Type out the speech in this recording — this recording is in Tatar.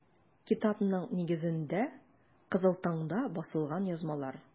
Китапның нигезендә - “Кызыл таң”да басылган язмалар.